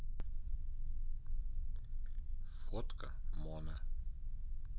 фотка моно